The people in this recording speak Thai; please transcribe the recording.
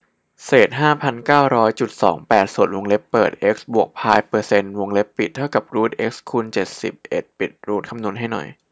เศษห้าพันเก้าร้อยจุดสองแปดส่วนวงเล็บเปิดเอ็กซ์บวกพายเปอร์เซ็นต์วงเล็บปิดเท่ากับรูทเอ็กซ์คูณเจ็ดสิบเอ็ดจบรูทคำนวณให้หน่อย